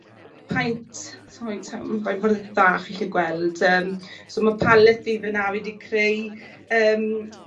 paent sai ma- faint mor allu chi gweld yym so ma' palet fi fan 'na fi 'di creu yym